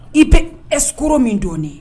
I bɛ esr min don nin